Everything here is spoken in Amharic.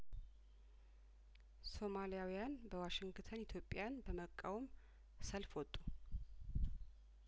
ሶማሊያውያን በዋሽንግተን ኢትዮጵያን በመቃወም ሰልፍወጡ